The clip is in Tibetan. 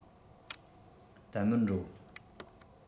དལ མོར འགྲོ